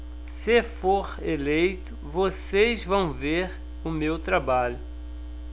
se for eleito vocês vão ver o meu trabalho